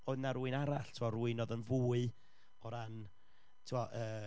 Oedd 'na rywun arall, tibod, rywun oedd yn fwy o ran, tibod, yy,